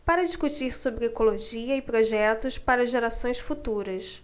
para discutir sobre ecologia e projetos para gerações futuras